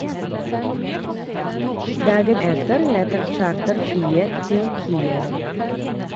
Dagen etter letter charterflyet til Kiev.